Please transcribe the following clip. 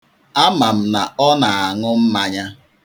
Ama m na ọ na-aṅụ mmanya.